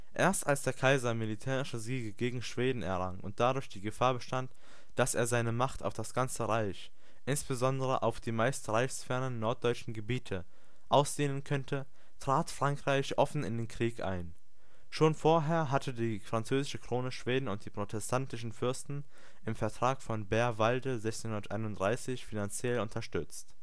Erst als der Kaiser militärische Siege gegen Schweden errang und dadurch die Gefahr bestand, dass er seine Macht auf das ganze Reich, insbesondere auf die meist reichsfernen norddeutschen Gebiete, ausdehnen könnte, trat Frankreich offen in den Krieg ein. Schon vorher hatte die französische Krone Schweden und die protestantischen Fürsten, im Vertrag von Bärwalde 1631, finanziell unterstützt